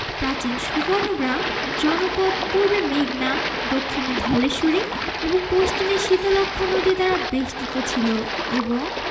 প্রাচীন সুবর্ণগ্রাম জনপদ পূর্বে মেঘনা দক্ষিণে ধলেশ্বরী এবং পশ্চিমে শীতলক্ষ্যা নদী দ্বারা বেষ্টিত ছিল এবং